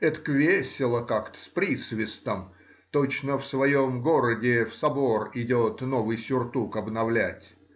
этак весело как-то, с присвистом, точно в своем городе в собор идет новый сюртук обновлять.